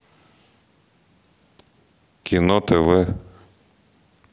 кино тв